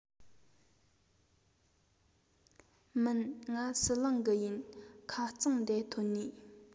མིན ང ཟི ལིང གི ཡིན ཁ རྩང འདེའ ཐོན ནིས